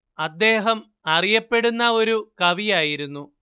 അദ്ദേഹം അറിയപ്പെടുന്ന ഒരു കവിയായിരുന്നു